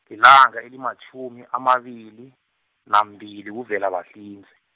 lilanga elimatjhumi amabili, nambili kuVelabahlinze.